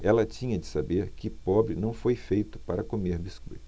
ela tinha de saber que pobre não foi feito para comer biscoito